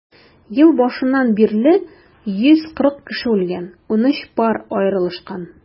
Ел башыннан бирле 140 кеше үлгән, 13 пар аерылышкан.